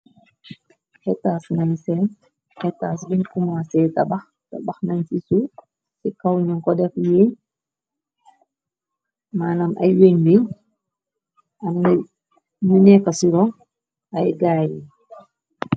Xetars ngay seen, xetas biñ kuma see tabax , ta bax nañ ci su ci kaw ñu ko def yi manam ay wiñ wi , amna ñu neeka siro ay gaay yi.